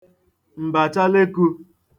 m̀bàchalekū